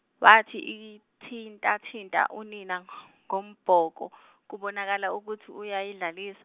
wayithintathinta unina ngobhoko kubonakala ukuthi uyayidlalis-.